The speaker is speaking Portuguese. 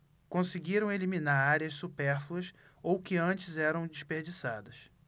conseguiram eliminar áreas supérfluas ou que antes eram desperdiçadas